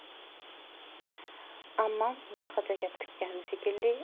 ammam boshqacha gap kutgan ekan shekilli